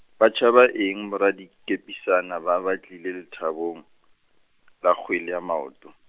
ba tšhaba eng boradikepisana ba ba tlile lethabong, la kgwele ya maoto.